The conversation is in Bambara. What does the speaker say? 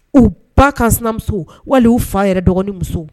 U ba ka sinamuso wali y uu fa yɛrɛ dɔgɔnin muso